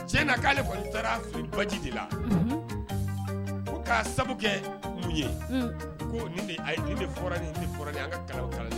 Cɛ na k'ale kɔni taara fili baji de la ko'a sabu kɛ mun ye ko an ka kala